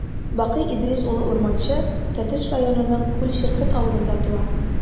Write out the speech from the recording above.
Бакый Идрис улы Урманче Тәтеш районының Күл черкен авылында туа.